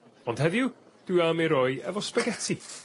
Ond heddiw dwi am ei roi efo sbageti.